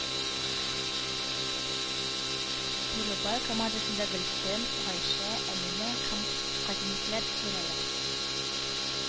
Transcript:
Бүребай командасында Гөлсем, Гайшә, Әминә һәм кәнизәкләр керәләр